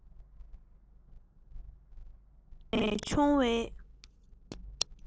རྒྱུག པ ནས མཆོང བའི